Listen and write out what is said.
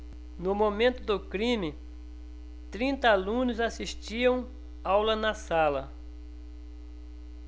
no momento do crime trinta alunos assistiam aula na sala